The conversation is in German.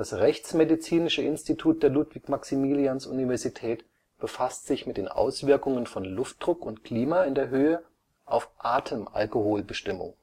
rechtsmedizinische Institut der Ludwig-Maximilians-Universität befasst sich mit den Auswirkungen von Luftdruck und Klima in der Höhe auf die Atemalkoholbestimmung